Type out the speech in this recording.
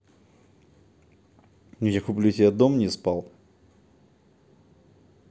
я куплю тебе дом не спал